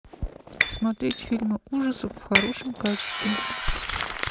смотреть фильмы ужасов в хорошем качестве